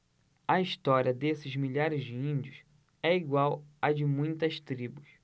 a história desses milhares de índios é igual à de muitas tribos